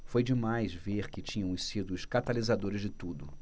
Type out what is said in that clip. foi demais ver que tínhamos sido os catalisadores de tudo